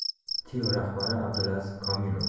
tiv rahbari abdulaziz komilov